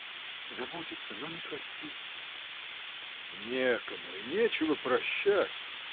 — Забудется, но не простится. — Некому и нечего прощать.